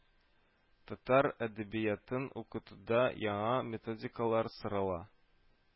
Татар әдәбиятын укытуда яңа методикалар сорала